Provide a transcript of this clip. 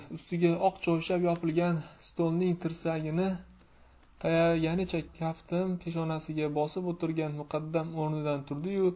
ustiga oq choyshab yopilgan stolga tirsagini tayaganicha kaftim peshanasiga bosib o'tirgan muqaddam o'rnidan turdi yu